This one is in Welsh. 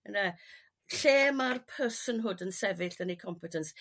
Yn'e? Lle ma'r personhood yn sefyll yn eu competence?